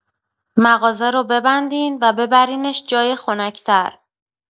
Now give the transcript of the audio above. مغازه رو ببندین و ببرینش جای خنک‌تر.